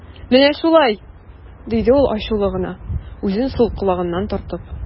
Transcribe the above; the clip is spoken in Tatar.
Менә шулай, - диде ул ачулы гына, үзен сул колагыннан тартып.